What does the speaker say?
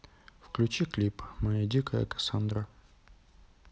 включи клип моя дикая кассандра